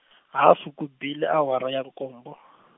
hafu ku bile awara ya nkombo.